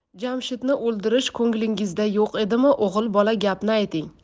jamshidni o'ldirish ko'nglingizda yo'q edimi o'g'il bola gapni ayting